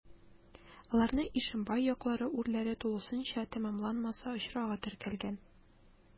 Аларны Ишембай яклары урләре тулысынча тәмамланмаса очрагы теркәлгән.